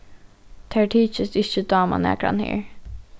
tær tykist ikki dáma nakran her